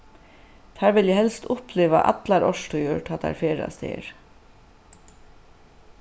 teir vilja helst uppliva allar árstíðir tá teir ferðast her